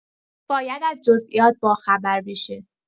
باید از جزئیات باخبر بشه!